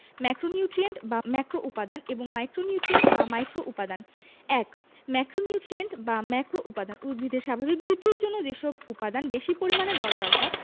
macronutrient বা ম্যাক্রোউপাদান এবং মাইক্রোনিউট্রিয়েন্ট বা মাইক্রোউপাদান ১ ম্যাক্রোনিউট্রিয়েন্ট বা ম্যাক্রোউপাদান উদ্ভিদের স্বাভাবিক বৃদ্ধির জন্য যেসব উপাদান বেশি পরিমাণে দরকার হয়